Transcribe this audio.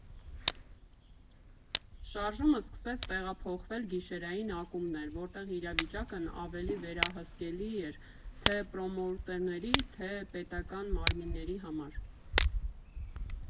Շարժումը սկսեց տեղափոխվել գիշերային ակումբներ, որտեղ իրավիճակն ավելի վերահսկելի էր թե՛ պրոմոութերների, թե՛ պետական մարմինների համար։